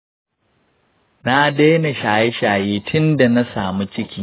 na daina shaye shaye tin da na samu ciki.